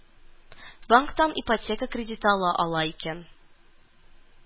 Банктан ипотека кредиты ала ала икән